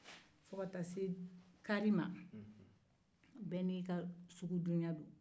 fo ka taa se kari ma bɛɛ n'i ka sugudonya don